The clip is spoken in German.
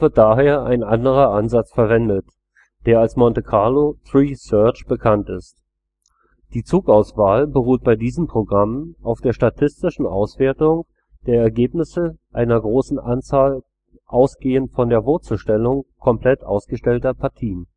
daher ein anderer Ansatz verwendet, der als Monte Carlo Tree Search bekannt ist. Die Zugauswahl beruht bei diesen Programmen auf der statistischen Auswertung der Ergebnisse einer großen Anzahl ausgehend von der Wurzelstellung komplett ausgespielter Partien